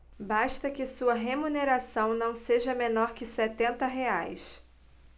basta que sua remuneração não seja menor que setenta reais